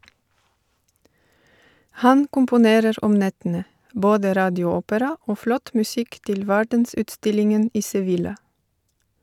Han komponerer om nettene - både radioopera og flott musikk til verdensutstillingen i Sevilla.